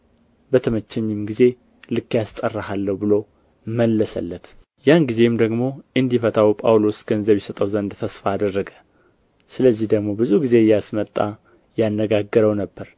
በተመቸኝም ጊዜ ልኬ አስጠራሃለሁ ብሎ መለሰለት ያን ጊዜም ደግሞ እንዲፈታው ጳውሎስ ገንዘብ ይሰጠው ዘንድ ተስፋ አደረገ ስለዚህ ደግሞ ብዙ ጊዜ እያስመጣ ያነጋግረው ነበር